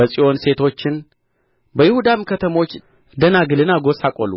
በጽዮን ሴቶችን በይሁዳም ከተሞች ደናግልን አጐሰቈሉ